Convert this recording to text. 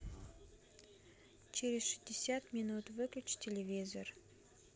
через шестьдесят минут выключи телевизор